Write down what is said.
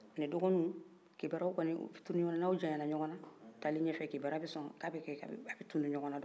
a ffana dɔgɔniw kibari yaw tununan ɲɔgɔnan n'aw janyara dɔrɔn kibaruya bɛ tunu ɲɔgɔnan